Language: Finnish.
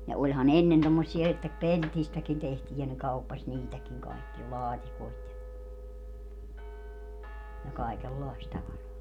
ja olihan ennen tuommoisia että pellistäkin tehtiin ja ne kauppasi niitäkin kaikkia laatikoita ja ja kaikenlaista tavaraa